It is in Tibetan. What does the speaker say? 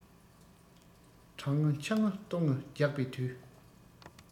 གྲང ངུ འཁྱག ངུ ལྟོགས ངུ རྒྱག པའི དུས